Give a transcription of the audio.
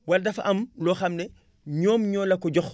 wala dafa am loo xam ne énoom ñoo la ko jox